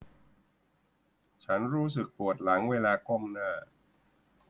ฉันรู้สึกปวดหลังเวลาก้มหน้า